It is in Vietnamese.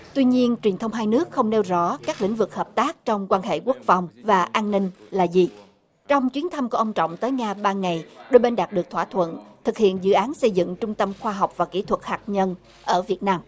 tuy nhiên truyền thông hai nước không nêu rõ các lĩnh vực hợp tác trong quan hệ quốc phòng và an ninh là gì trong chuyến thăm của ông trọng tới nga ba ngày đôi bên đạt được thỏa thuận thực hiện dự án xây dựng trung tâm khoa học và kỹ thuật hạt nhân ở việt nam